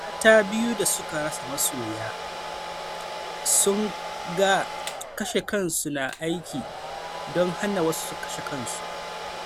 Mata biyu da suka rasa masoyan su ga kashe kansu su na aiki don hana wasu su kashe kansu.